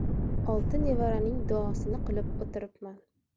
olti nevaraning duosini qilib o'tiribman